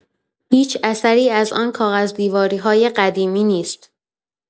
هیچ اثری از آن کاغذدیواری‌های قدیمی نیست.